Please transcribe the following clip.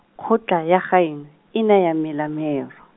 kgotla ya gaeno, e ne ya mela mhero.